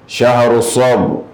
Siyaharo Suwɔb